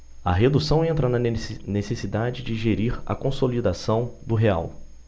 a redução entra na necessidade de gerir a consolidação do real